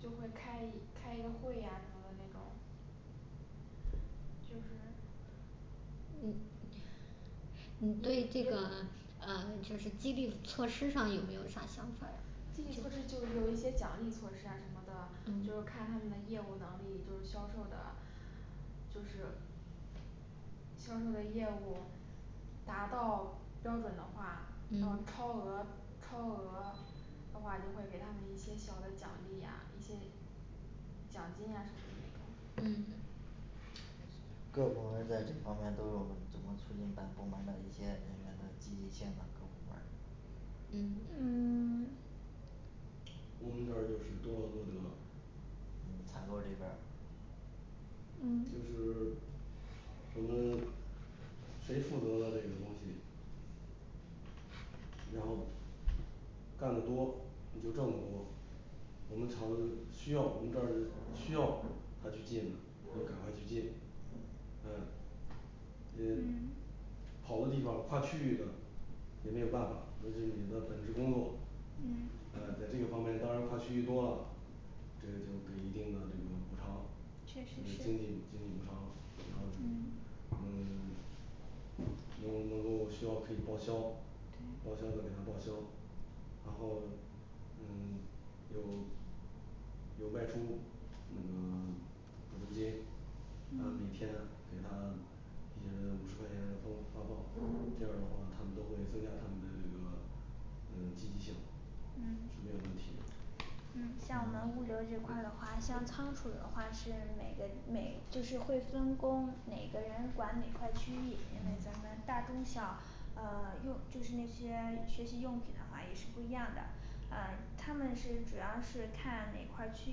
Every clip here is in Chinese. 就会开一开一个会啊什么的那种就是，你你对这个就是激励措施上有没有啥想法儿啊激励措施就是有一些奖励措施啊什么的。就是看他们的业务能力就是销售的就是销售的业务达到标准的话，要嗯超额超额的话就会给他们一些小的奖励啊，一些奖金啊什么的那种嗯各部门儿在这方面都有怎么促进本部门的一些人员的积极性呢各部门儿嗯嗯 我们这儿就是多劳多得嗯采购这边儿就嗯是我们谁负责的这个东西然后干的多你就挣的多，我们厂子需要我们这儿需要他去进了他就赶快去进嗯也嗯跑的地方跨区域的，也没有办法，那是你的本职工作。嗯嗯在这个方面当然跨区域多了这个就给一定的这个补偿就确是实是经济补偿然后嗯能够能够需要可以报销，对报销的给他报销然后嗯有有外出那个补助金按每嗯天给他也就是五十块钱的风发放，这样儿的话他们都会增加他们的那个呃积极性，嗯是没有问题的嗯像我们物流这块儿的话，像仓储的话是每人 每就是会分工哪个人管哪块区域，因为咱们大中小呃用就是那些学习用品的话也是不一样的，呃他们是主要是看哪块儿区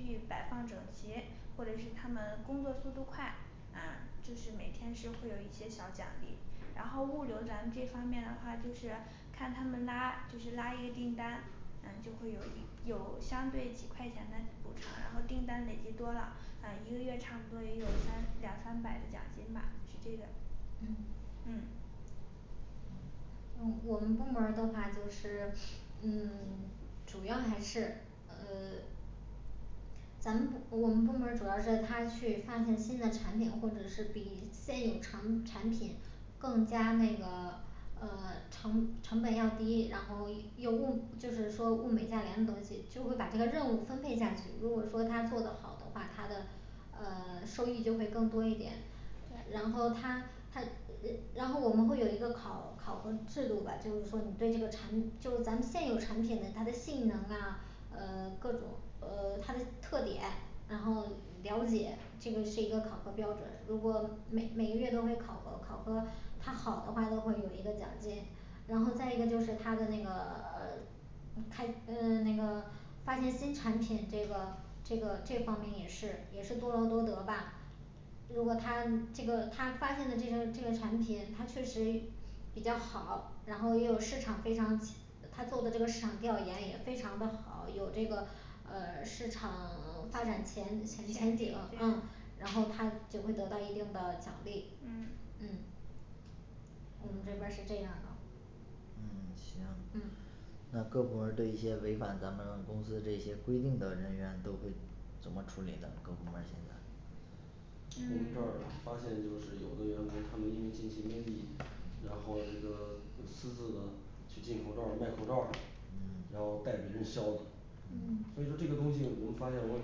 域摆放整齐，或者是他们工作速度快啊就是每天是会有一些小奖励。然后物流咱们这方面的话，就是看他们拉就是拉一个订单嗯就会有一 有相对几块钱的补偿，然后订单累积多了，啊一个月差不多也有两三百的奖金吧，是这个嗯嗯嗯我们部门儿的话就是，嗯 主要还是呃咱们部 我们部门儿主要是他去发现新的产品，或者是比现有长产品更加那个呃成成本要低，然后又物就是说物美价廉的东西就会把这个任务分配下去，如果说他做得好的话，他的呃 收益就会更多一点然是后他他然后我们会有一个考考核制度吧，就是说你对这个产 就是咱们现有产品的它的性能啊呃各种呃它的特点，然后了解这个是一个考核标准如果，每每个月都会考核考核他好的话都会有一个奖金然后再一个就是他的那个 他呃那个发现新产品这个这个这方面也是也是多劳多得吧如果他这个他发现的这个这个产品它确实也 比较好，然后也有市场非常他做的这个市场调研也非常的好，有这个呃市场发展前前前景景对，然后他就会得到一定的奖励嗯嗯嗯我们这边儿是这样的嗯行嗯那各部门儿对一些违反咱们公司这些规定的人员都会怎么处理呢各部门儿现在我们嗯这儿发现就是有的员工他们因为近期瘟疫，然后这个有私自的去进口罩儿卖口罩儿的，然嗯后带别人销的嗯嗯所以说这个东西我们发现我问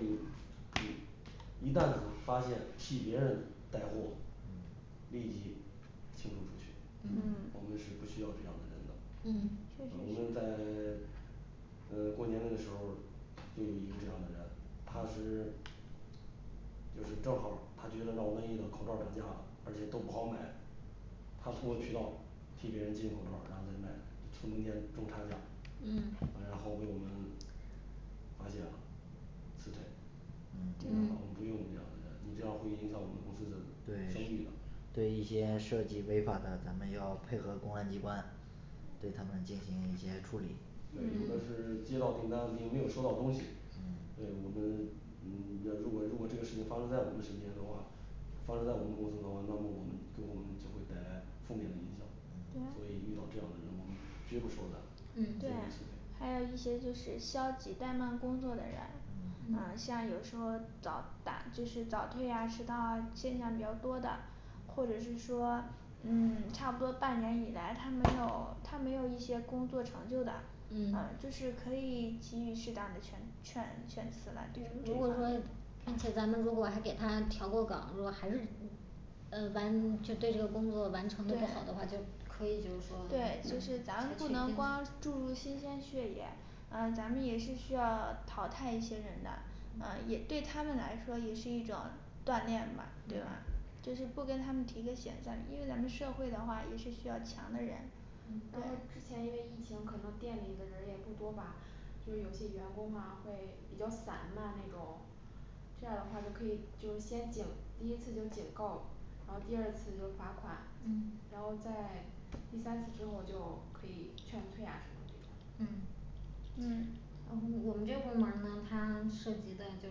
你你 一旦是发现替别人带货，嗯立即清除出去，嗯嗯我们是不需要这样的人的嗯确实我们是在 嗯过年那个时候儿，就有一个这样的人，他是就是正好儿他觉得闹瘟疫了口罩儿涨价了，而且都不好买，他通过渠道替别人进口罩儿，然后再卖，从中间中差价嗯啊然后被我们发现了辞退没办嗯法，我们嗯不用你这样的人，你这样会影响我们公司的声誉对的对一些涉及违法的，咱们要配合公安机关对他嗯们进行一些处理对，有的嗯是接到订单并没有收到东西。 嗯对我们要如果如果这个事情发生在我们身边的话，发生在我们公司的话，那么我们给我们就会带来负面的影响嗯所以遇到这样的人我们绝不手软。对对，对嗯还有一些就是消极怠慢工作的人，嗯像有时候早打就是早退啊迟到啊现象比较多的或者是说嗯差不多半年以来他没有他没有一些工作成就的，嗯嗯就是可以给予适当的劝劝劝辞了就如这果方说面但是让他们晚点他调过岗，如果还是嗯完就对这个工作完成的不好对的话，就可以就是说对就是咱不能光注入新鲜血液嗯咱们也是需要淘汰一些人的，嗯也对他们来说也是一种锻炼吧，对吧就是不跟他们提一个选择，因为咱们社会的话也是需要强的人然后嗯之前因为疫情可能店里的人儿也不多吧，就是有些员工啊会比较散漫那种这样的话就可以就是先警第一次就警告，然后第二次就罚款嗯然后在第三次之后就可以劝退啊什么的这嗯种嗯嗯我们这个部门儿呢它涉及的就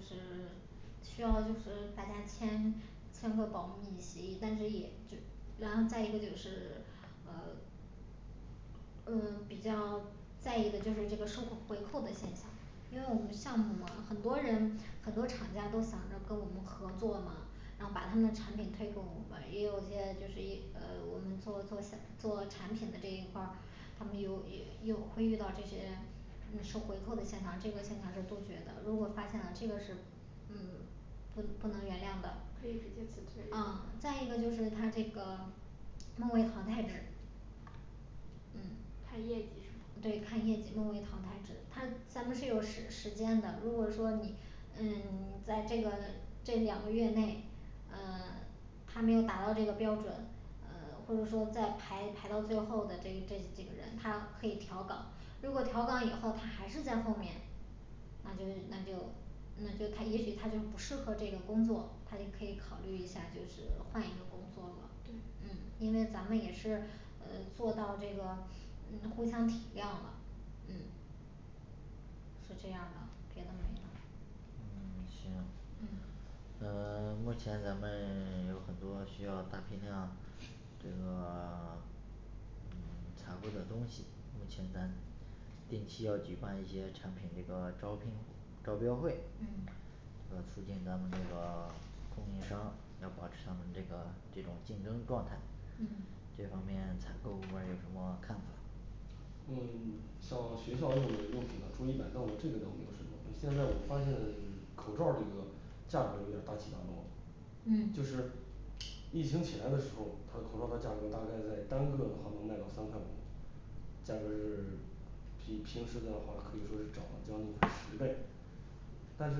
是需要呃大家签签个保密协议，但是也就 然后再一个就是呃嗯比较在意的就是这个收回扣的现象，因为我们的项目嘛很多人很多厂家都想着跟我们合作嘛然后把他们的产品推给我们，也有一些就是一呃我们做做些 做产品的这一块儿他们有也 也有会遇到这些收回扣的现象，这个现象是杜绝的，如果发现了这个是嗯不 不能原谅的可以直接辞退，嗯再这一个个就是他这个末位淘汰制嗯看业绩是吗对看业绩末位淘汰制，他是 咱们是有时时间的，如果说你嗯你在这个这两个月内呃他没有达到这个标准嗯或者说在排排到最后的这这几个人，他可以调岗，如果调岗以后他还是在后面那就是那就那就他也许他就不适合这个工作，他就可以考虑一下就是换一个工作了对嗯，因为咱们也是嗯做到这个嗯互相体谅了，嗯是这样的别的没了嗯，行嗯那目前咱们有很多需要大批量这个嗯采购的东西目前咱定期要举办一些产品这个招聘招标会嗯促进咱们这个供应商要保持他们这个这种竞争状态嗯这方面采购部门儿有什么看法嗯像学校用的用品的桌椅板凳的倒没有什么，现在我发现了就是口罩儿这个价格有点儿大起大落就嗯是 疫情起来的时候，他的口罩儿的价格大概在单个的话能卖到三块五，价格是比平时的话可以说是涨了将近快十倍但是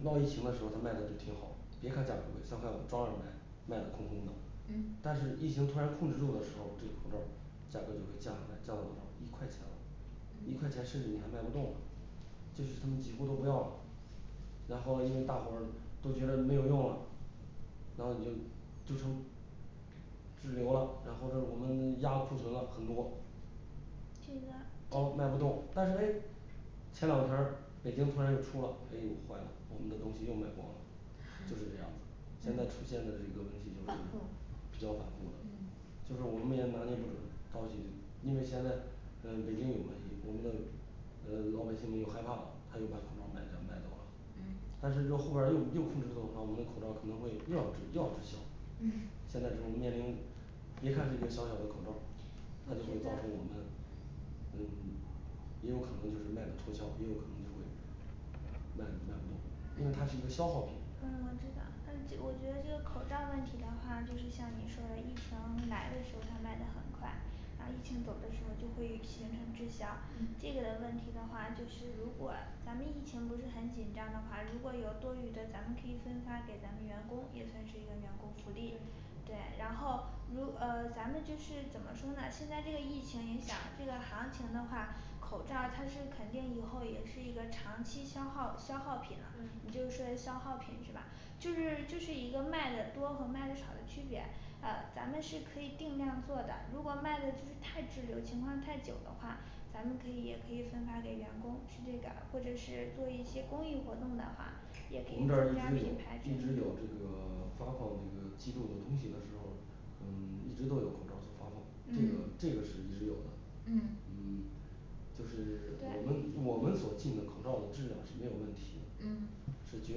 闹疫情的时候他卖的都挺好，别看价格贵三块五照样儿买卖的空空的嗯但是疫情突然控制住的时候儿，这个口罩儿价格就会降下来，降到多少儿一块钱了一块钱甚至你还卖不动了，就是他们几乎都不要了，然后因为大伙儿都觉得没有用了然后你就就成滞留了，然后这是我们这压库存了很多，这个啊卖不动，但是诶前两天儿北京突然就出了，哎呦坏了我们的东西又卖光了，就是这样子，现在出现的这个问题就反是复嗯比较反复的嗯就是我们也拿捏不准到底这，因为现在呃北京有瘟疫我们的嗯老百姓们又害怕了，他又把口罩儿卖掉买走了但是若后边儿又又控制住的话，我们的口罩儿可能会又要滞又要滞销。嗯现在这种面临别看是一个小小的口罩儿他就会造成我们嗯也有可能就是卖的脱销也有可能就会卖卖不动，因为它是一个消耗品嗯我知道了，嗯就我觉得这口罩儿问题的话，就是像你说的疫情来的时候他卖的很快，啊疫情走的时候就会形成滞销这个的问题的话，就是如果咱们疫情不是很紧张的话，如果有多余的，咱们可以分发给咱们员工，也算是一个员工福利对对，然后如呃咱们就是怎么说呢，现在这个疫情影响这个行情的话口罩儿它是肯定以后也是一个长期消耗消耗品了，你就是嗯说消耗品是吧？就是这是一个卖的多和卖的少的区别呃咱们是可以定量做的，如果卖的太滞留情况太久的话，咱们可以也可以分发给员工去这边儿，或者是做一些公益活动的话也可我以们这儿增一直加有品牌知一直名有度这个发放这个记录的东西的时候，嗯一直都有口罩儿所发放，这个嗯这个是一直有的，嗯嗯就是我对们我们所进的口罩的质量是没有问题的嗯是绝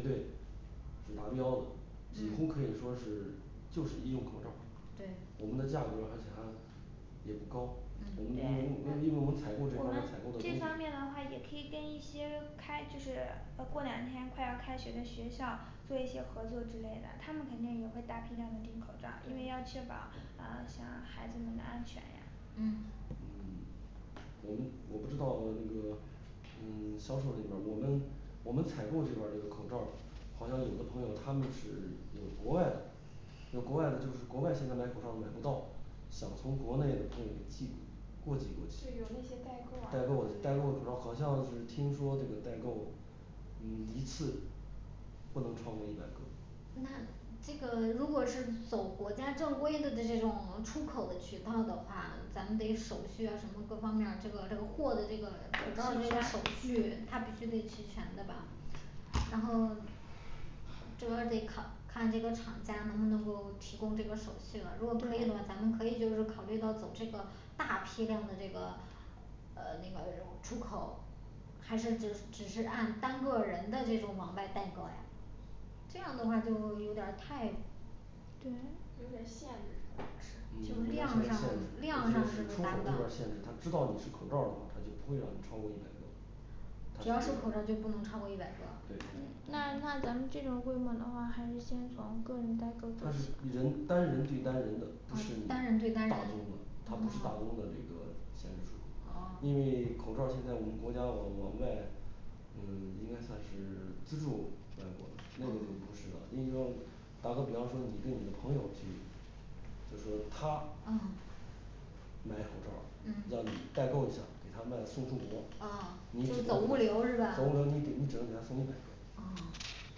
对是达标的。几乎可以说是就是医用口罩儿对我们的价格儿而且还也不高，我嗯们因对为因为我们采我购这方们面儿采购的东这西方面的话也可以跟一些开就是呃过两天快要开学的学校做一些合作之类的，他们肯定也会大批量的订口罩儿，因为要确对保啊像孩子们的安全呀嗯嗯，我们我不知道那个嗯销售那边儿我们我们采购这边儿这个口罩儿，好像有的朋友他们是有国外的有国外的，就是国外现在买口罩儿都买不到，想从国内的朋友给寄过去。过寄过去对，有那些代购呀代购什代么的购口罩儿好像是听说这个代购嗯一次不能超过一百个那这个如果是走国家正规的这种出口的渠道的话，咱们得手续呀什么各方面儿这个这个货的这个怎么着也得把手续他必须得齐全的吧，然后这个还是得可 看这个厂家能不能够提供这个手续了，如果可以的话，咱们可以考虑到走这个大批量的这个呃那个出口还是就是只是按单个人的这种往外代购诶，这样的话就有点儿太对有点限制，是不是就嗯是国量家现在大限制，，量关要键是是出不口大这的边话儿限制，他知道你是口罩儿的话，他就不会让你超过一百个只要他是是口罩儿就这不种能超过一百个。对那那咱们这种规模的话还是先从个人代购他是人单人对单人的，啊不是你大单人宗对单人啊的，它不是大宗的这个限制出口因为口罩儿现在我们国家往往外嗯应该算是资助外国的那个就不是了，你比方打个比方说你跟你的朋友去就是说他啊买口罩让你嗯代购一下儿，给他卖送出国啊，你只就能给他走，你物流儿是吧只能给他送一百个啊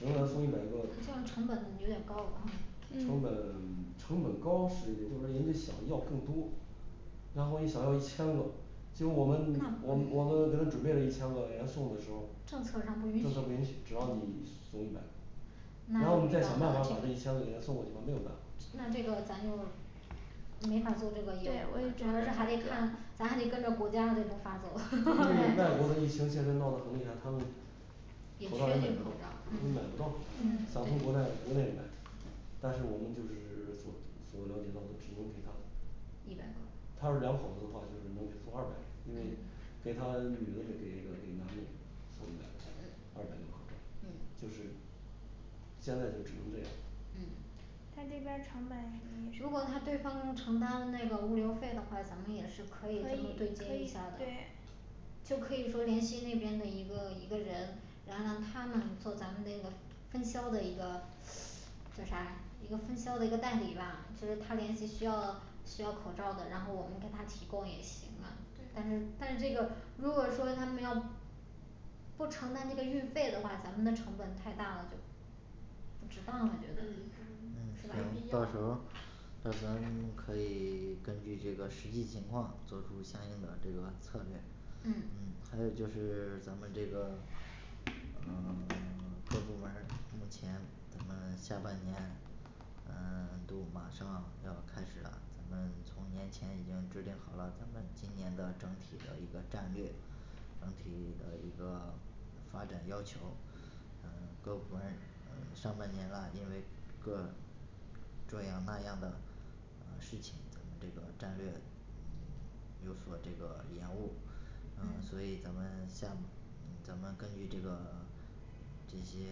只能让送一百个这样成本有点高了吧成嗯本成本高是一个就是人家想要更多然后你想要一千个，结果我们我那们 我们给他准备了一千个给人家送的时候，政策上不允政策不允许许，只要你送一百个，然后你那再想办法把这一千个给人家送过去吧，没有办法那这个咱就没法做，这个也主要对，我也这我样们是还得觉看得，咱还得跟着国家的步伐走，因为外国的 疫情现在闹的很厉害，他们也缺口哪罩儿也买不个口到罩家儿，他买不嗯到口罩儿想嗯从国耐对国内买，但是我们就是所所了解到的只能给他一百个他要是两口子的话就是能给他送二百个，因为给他女的一个给男的送一百个二百个口罩儿。 对就是现在就只能这样嗯他这边儿成本如果他对方承担那个物流费的话，咱们也是可可以以，跟可以他对对接一下的就可以说联系那边的一个一个人，然后让他呢做咱们分销的一个叫啥一个分销的一个代理吧，就是他联系需要需要口罩儿的，然后我们跟他提供也行是吧、但对是但是这个如果说他们要不承担这个运费的话，咱们的成本儿太大了就。不值当啊了就嗯嗯，没必行到时候要儿那咱可以根据实际情况作出相应的这个策略嗯还有就是咱们这个嗯各部门儿，目前咱们下半年嗯都马上要开始了，咱们从年前已经制定好了咱们今年的整体的一个战略整体的一个发展要求。嗯各部门儿上半年啊，因为各这样那样的呃事情咱们这个战略嗯有所这个延误嗯所以嗯咱们像咱们根据这个这些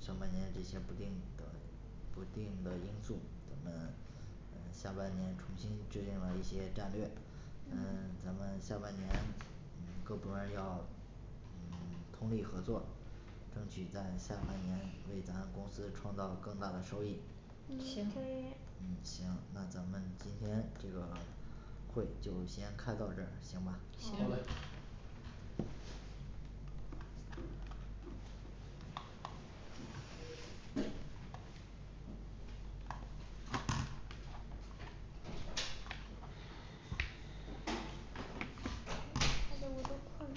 上半年这些不定的不定的因素，咱们嗯下半年重新制定了一些战略，嗯咱们下半年各部门儿要嗯通力合作争取在下半年为咱公司创造更大的收益嗯，可行以嗯行那咱们今天这个会就先开到这儿，行吧好嘞好行录的我都困